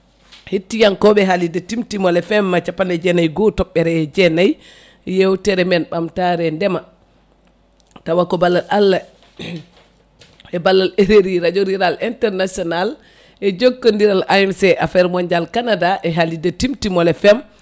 hettiyankoɓe haalirde Timtimol FM capanɗe jeenayyi e goho toɓɓere jeenayyi yewtere men ɓamtare ndeema tawa ko balla Allah e ballal RRI radio rural international e jokkodiral AMC affaire Mondial Canada e haalirde Timtimol Fm